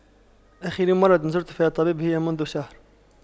آخر مرة زرت فيها طبيب هي منذ شهر